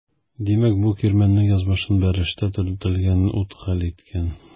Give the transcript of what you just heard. Димәк бу кирмәннең язмышын бәрелештә төртелгән ут хәл иткән.